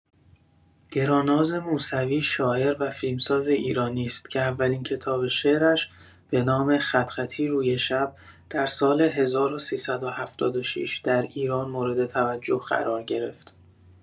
گراناز موسوی شاعر و فیلمساز ایرانی‌ست که اولین کتاب شعرش به نام «خط‌خطی روی شب» در سال ۱۳۷۶ در ایران مورد توجه قرار گرفت.